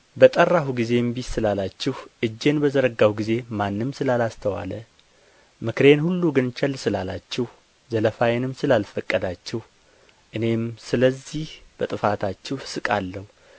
በጠራሁ ጊዜ እምቢ ስላላችሁ እጄን በዘረጋሁ ጊዜ ማንም ስላላስተዋለ ምክሬን ሁሉ ግን ቸል ስላላችሁ ዘለፋዬንም ስላልፈቀዳችሁ እኔም ስለዚህ በጥፋታችሁ እስቃለሁ